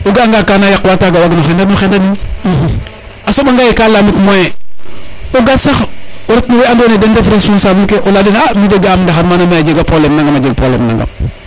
o ga a nga kana yaq wa o waag no xendan o xendanin a soɓa ngaye ka lamit moyen o gar sax o ret nowe ando naye den ndef responsable ke o leya dene a mi de ga am ndaxar mana mais a jega probleme nangam probleme nangam